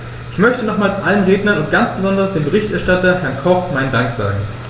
Ich möchte nochmals allen Rednern und ganz besonders dem Berichterstatter, Herrn Koch, meinen Dank sagen.